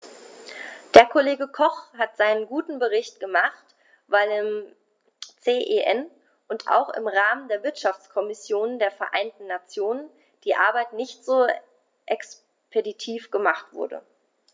Der Kollege Koch hat seinen guten Bericht gemacht, weil im CEN und auch im Rahmen der Wirtschaftskommission der Vereinten Nationen die Arbeit nicht so expeditiv gemacht wurde.